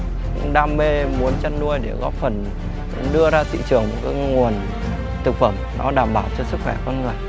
đam mê muốn chăn nuôi để góp phần đưa ra thị trường do nguồn thực phẩm nó đảm bảo cho sức khỏe con người